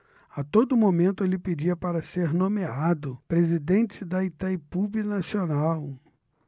a todo momento ele pedia para ser nomeado presidente de itaipu binacional